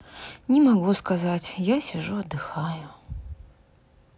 не могу сказать я сижу отдыхаю